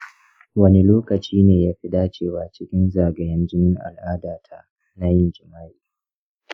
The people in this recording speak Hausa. wani lokaci ne yafi dacewa cikin zagayen jinin al’adata na yin jima’i?